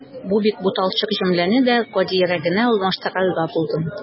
Бу бик буталчык җөмләне дә гадиерәгенә алмаштырырга булдым.